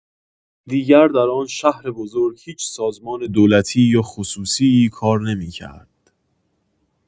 دیگر در آن شهر بزرگ هیچ سازمان دولتی یا خصوصی‌ای کار نمی‌کرد.